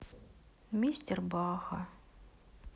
мистер баха